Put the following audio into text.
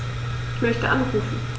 Ich möchte anrufen.